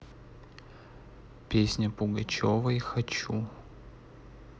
песня пугачевой хочу